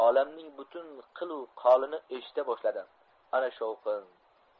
olamning butun qiylu qolini eshita boshladi ana shovqin